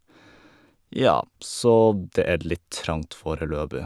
Ja, så det er litt trangt foreløpig.